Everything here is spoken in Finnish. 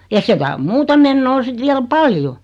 ja sekään on muuta menoa sitten vielä paljon